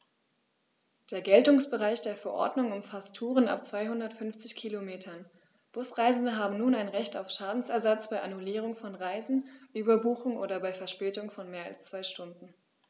Der Geltungsbereich der Verordnung umfasst Touren ab 250 Kilometern, Busreisende haben nun ein Recht auf Schadensersatz bei Annullierung von Reisen, Überbuchung oder bei Verspätung von mehr als zwei Stunden.